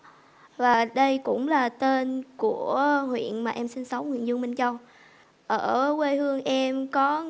và đây cũng là tên của huyện mà em sinh sống huyện dương minh châu ở quê hương em có